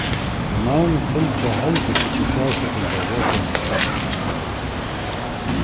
og nøvn fylgja heldur ikki stavsetingarreglunum